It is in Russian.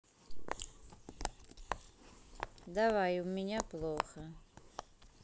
давай у меня плохо